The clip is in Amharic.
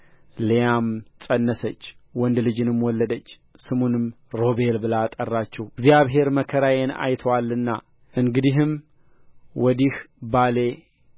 ልያም ፀነሰች ወንድ ልጅንም ወለደች ስሙንም ሮቤል ብላ ጠራችው እግዚአብሔር መከራዬን አይቶአልና እንግዲህም ወዲህ ባሌ